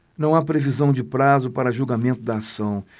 não há previsão de prazo para o julgamento da ação